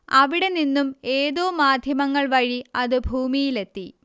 അവിടെ നിന്നും ഏതോ മാധ്യമങ്ങൾ വഴി അത് ഭൂമിയിലെത്തി